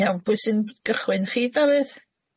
Iawn pwy sy'n gychwyn, chi Dafydd?